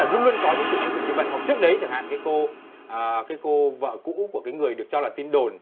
luôn luôn có những chuyện tương tự như vậy hoặc trước đấy chẳng hạn cái cô à cái cô vợ cũ của cái người được cho là tin đồn